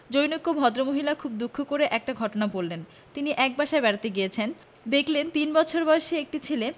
জনৈক ভদ্রমহিলা খুব দুঃখ করে একটা ঘটনা বললেন তিনি এক বাসায় বেড়াতে গিয়েছেন দেখলেন তিন বছর বয়েসী একটি ছেলে